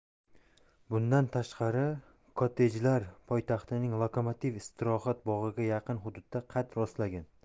bundan tashqari kottejlar poytaxtning lokomotiv istirohat bog'iga yaqin hududda qad rostlagan